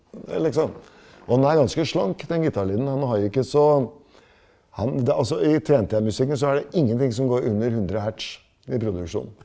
det er liksom og den er ganske slank den gitarlyden, den har jo ikke så han det altså i TNT-musikken så er det ingenting som går under 100 hertz i produksjonen.